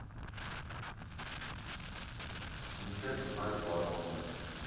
Մինչև հիմա էլ զարմանում եմ։